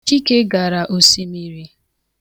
Chike gara osimiri.